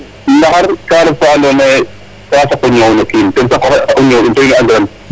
Ndaxar ka ref ka andoona yee ka saq o ñoow no kiin ten saqu o ñoow in to wiin we andiranooyo.